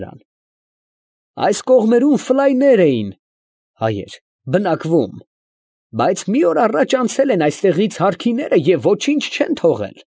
Նրան, ֊ այս կողմերում ֆլայներ (հայեր) էին բնակվում, բայց մի օր առաջ անցել են այստեղից Հարքիները և ոչինչ չեն թողել։